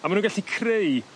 A ma' nw' gallu creu